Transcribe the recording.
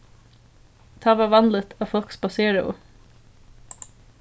tá var vanligt at fólk spaseraðu